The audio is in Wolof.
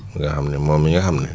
nga xam ne moom mi nga xam ne